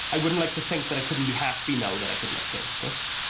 I wouldn't like to think that I couldn't be happy now that I couldn't ave kids t'o'?